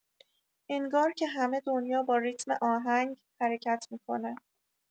انگار که همه دنیا با ریتم آهنگ حرکت می‌کنه.